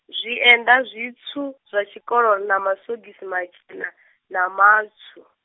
zwienda zwitswu, zwa tshikolo na maswogisi matshena, na matswu.